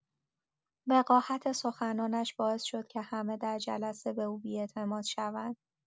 وقاحت سخنانش باعث شد که همه در جلسه به او بی‌اعتماد شوند.